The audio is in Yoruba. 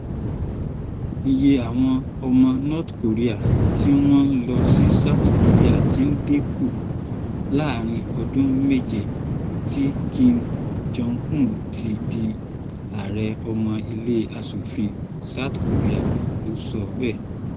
Iye àwọn ọmọ North korea t’ọ́n lọ si South Korea ti dínkù láàrin ọdún méje tí Kim Jong-un ti di ààrẹ. Ọmọ ile-aṣòfin South Korea ló sọ bẹ́ẹ̀.